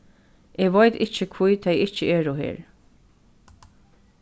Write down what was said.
eg veit ikki hví tey ikki eru her